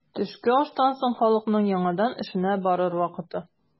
Төшке аштан соң халыкның яңадан эшенә барыр вакыты.